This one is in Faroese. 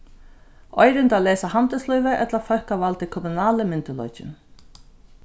eirindaleysa handilslívið ella fólkavaldi kommunali myndugleikin